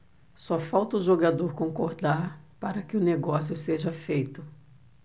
só falta o jogador concordar para que o negócio seja feito